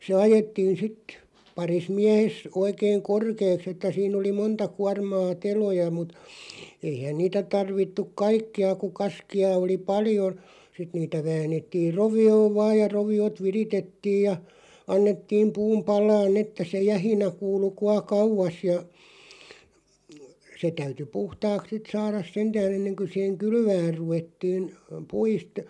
se ajettiin sitten parissa miehessä oikein korkeaksi että siinä oli monta kuormaa teloja mutta eihän niitä tarvittukaan kaikkia kun kaskia oli paljon sitten niitä väännettiin rovioon vain ja roviot viritettiin ja annettiin puun palaa että se jähinä kuului kuinka kauas ja se täytyi puhtaaksi sitten saada sentään ennen kuin siihen kylvämään ruvettiin puista